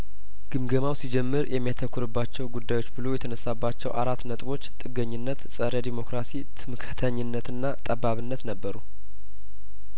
ግምገማው ሲጀምር የሚያተኩርባቸው ጉዳዮች ብሎ የተነሳባቸው አራት ነጥቦች ጥገኝነት ጸረ ዲሞክራሲ ትምክህተኝነትና ጠባብነት ነበሩ